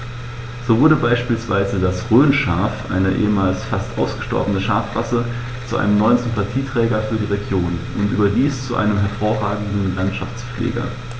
So wurde beispielsweise das Rhönschaf, eine ehemals fast ausgestorbene Schafrasse, zu einem neuen Sympathieträger für die Region – und überdies zu einem hervorragenden Landschaftspfleger.